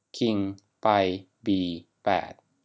คิงไปบีแปด